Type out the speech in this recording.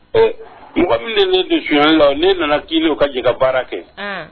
Mɔgɔ min de don la ne nana' u ka ji baara kɛ